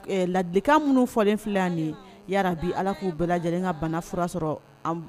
La minnu ala k'u bɛɛ lajɛlen ka bana sɔrɔ